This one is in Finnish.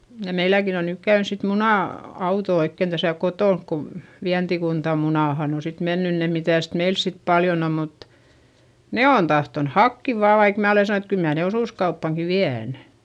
ja meilläkin on nyt käynyt sitten - muna-auto oikein tässä kotona kun Vientikunta Munaanhan on sitten mennyt ne mitäs meillä sitten paljon on mutta ne on tahtonut hakea vain vaikka minä olen sanonut että kyllä minä ne osuuskauppaankin vien